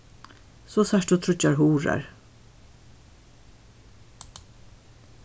so sært tú tríggjar hurðar